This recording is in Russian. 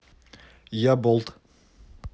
я болт